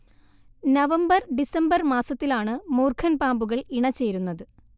November December മാസത്തിലാണ് മൂർഖൻ പാമ്പുകൾ ഇണചേരുന്നത്